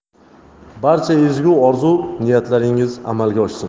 barcha ezgu orzu niyatlaringiz amalga oshsin